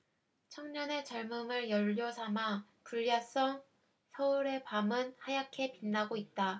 청년의 젊음을 연료 삼아 불야성 서울의 밤은 하얗게 빛나고 있다